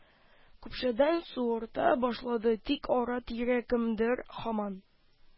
Көпшәдән суырта башлады, тик ара-тирә кемдер һаман